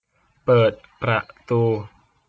เปิดประตู